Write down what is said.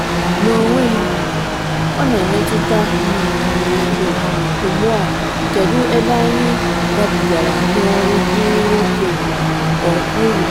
‘N’onwe m, ọ na-emetụta m nke ukwuu, ugbu a - kedu ebe anyị gabigara n’ọrụ dịrị nwoke?,’ o kwuru.